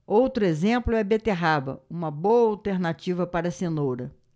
outro exemplo é a beterraba uma boa alternativa para a cenoura